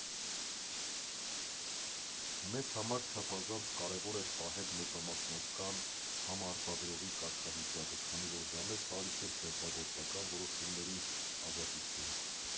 Մեզ համար չափազանց կարևոր էր պահել մեծամասնական համարտադրողի կարգավիճակը, քանի որ դա մեզ տալիս էր ստեղծագործական որոշումների ազատություն։